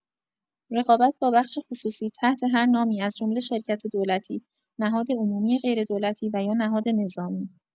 رقابت با بخش خصوصی تحت هر نامی از جمله شرکت دولتی، نهاد عمومی غیردولتی و یا نهاد نظامی